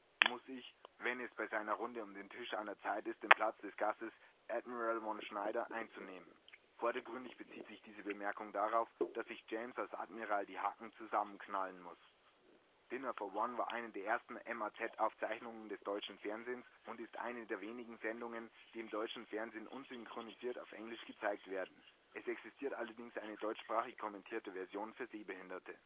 Muss ich? “) zu sehen, wenn es bei seiner Runde um den Tisch an der Zeit ist, den Platz des Gastes „ Admiral von Schneider “(ausgesprochen „ won Schneider “) einzunehmen. Vordergründig bezieht sich diese Bemerkung darauf, dass James als Admiral die Hacken zusammenknallen muss. Dinner for One war eine der ersten MAZ-Aufzeichnungen des deutschen Fernsehens und ist eine der wenigen Sendungen, die im deutschen Fernsehen unsynchronisiert auf Englisch gezeigt werden; es existiert allerdings eine deutschsprachig kommentierte Version für Sehbehinderte